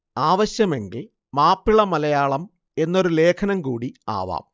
ആവശ്യമെങ്കിൽ മാപ്പിള മലയാളം എന്നൊരു ലേഖനം കൂടി ആവാം